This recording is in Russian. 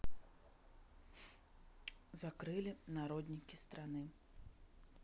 закрыли народники страны